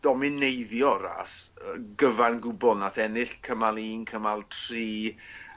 domineiddio ras yy gyfan gwbwl nath ennill cymal un cymal tri